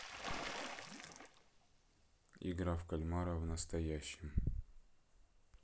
игра в кальмара в настоящем